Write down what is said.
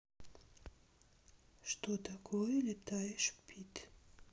что такое летаешь пит